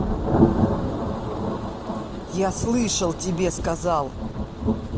я слышал тебе сказал